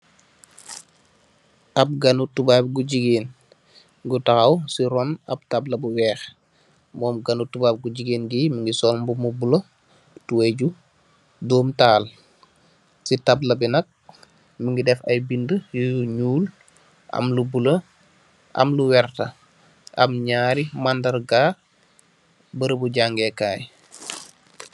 Ab ganu tubaab gu jigeen, gu taxaw si ron ab tabla bu weex, mom ganu tubaab gu jigeen gii, mungi sol mbubu bu buleuh, tubeuy ju doom tahal, si tabla bi nak, mungi def aye bindi yu ñuul, am buleuh, am lu werta, am ñaari mandargaa beureubu jangee kaay.